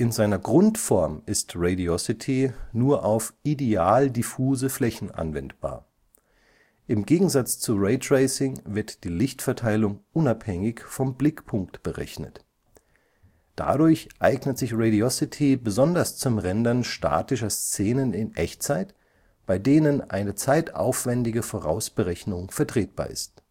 seiner Grundform ist Radiosity nur auf ideal diffuse Flächen anwendbar. Im Gegensatz zu Raytracing wird die Lichtverteilung unabhängig vom Blickpunkt berechnet. Dadurch eignet sich Radiosity besonders zum Rendern statischer Szenen in Echtzeit, bei denen eine zeitaufwändige Vorausberechnung vertretbar ist